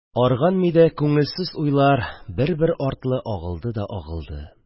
Арыган мидә күңелсез уйлар бер-бер артлы агылды да агылды